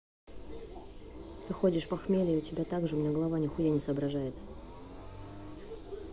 ты ходишь похмелья у тебя также у меня голова нихуя не соображает